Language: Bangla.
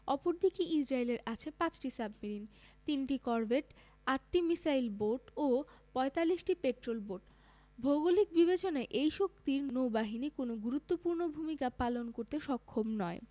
অপরদিকে ইসরায়েলের আছে ৫টি সাবমেরিন ৩টি করভেট ৮টি মিসাইল বোট ও ৪৫টি পেট্রল বোট ভৌগোলিক বিবেচনায় এই শক্তির নৌবাহিনী কোনো গুরুত্বপূর্ণ ভূমিকা পালন করতে সক্ষম নয়